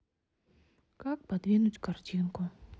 как подвинуть картинку